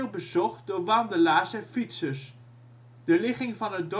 bezocht door wandelaars en fietsers. De ligging van het dorpscafé